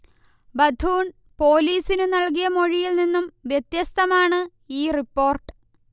Bethune പൊലീസിനു നൽകിയ മൊഴിയിൽ നിന്നും വ്യത്യസ്തമാണ് ഈ റിപ്പോർട്ട്